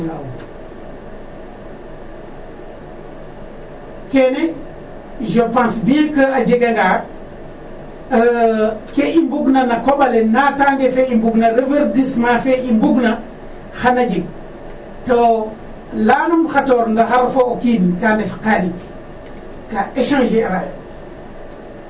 Kene je pense bien que a jeganga ke i mbugna na koƥ ale naatange fe i mbugna reverdissemnt fe i mbugna xana jeg to layanum xatoor ndax fo o kiin ka ndef xarit ka échanger ayo